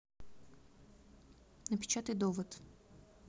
напечатай довод